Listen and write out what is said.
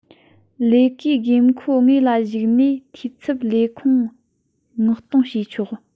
ལས ཀའི དགོས མཁོ དངོས ལ གཞིགས ནས འཐུས ཚབ ལས ཁུངས མངག གཏོང བྱས ཆོག